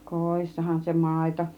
kodissahan se maito